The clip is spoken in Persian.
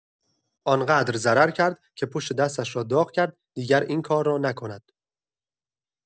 آن‌قدر ضرر کرد که پشت دستش را داغ کرد دیگر این کار را نکند.